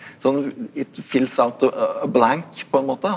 sånn litt på en måte.